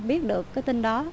biết được cái tin đó